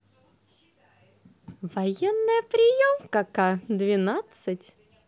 военная приемка ка двенадцать